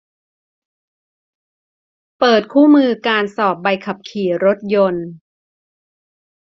เปิดคู่มือการสอบใบขับขี่รถยนต์